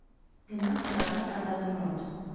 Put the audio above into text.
Գնանք նկարվենք Ադամի մոտ։